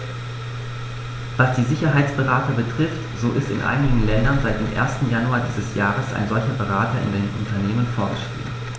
Was die Sicherheitsberater betrifft, so ist in einigen Ländern seit dem 1. Januar dieses Jahres ein solcher Berater in den Unternehmen vorgeschrieben.